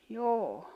joo